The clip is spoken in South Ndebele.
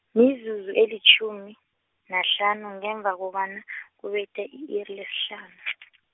mizuzu elitjhumi, nahlanu ngemva kobana , kubethe i-iri lesihlanu .